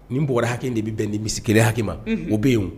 Ni hakɛ de bɛ bɛn nin misi kelen hakɛ ma, unhun, , o bɛ yen wo.